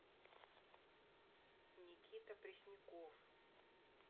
никита пресняков